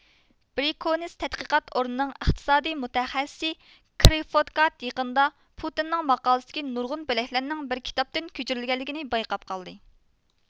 بېروكنس تەتقىقات ئورنىنىڭ ئىقتىسادىي مۇتەخەسسىسى كرىفودكاد يېقىندا پۇتىننىڭ ماقالىسىدىكى نۇرغۇن بۆلەكلەرنىڭ بىر كىتابتىن كۆچۈرۈلگەنلىكىنى بايقاپ قالدى